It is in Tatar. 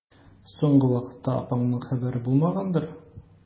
Соңгы вакытта апаңның хәбәре булмагандыр?